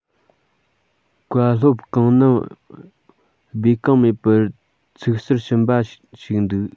བཀའ སློབ གང གནང སྦས བསྐུངས མེད པར ཚིག ཟུར ཕྱིན པ ཞིག འདུག